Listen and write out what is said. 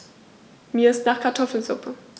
Mir ist nach Kartoffelsuppe.